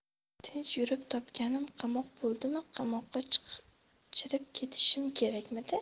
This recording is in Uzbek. tinch yurib topganim qamoq bo'ldimi qamoqda chirib ketishim kerakmidi